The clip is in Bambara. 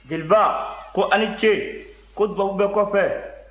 jeliba ko a ni ce ko dubabu bɛ kɔ fɛ